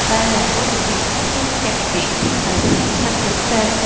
ba là có những biện pháp ngăn chặn chuyển dịch tài sản tham nhũng ra nước